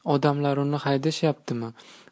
odamlar uni haydashyaptimi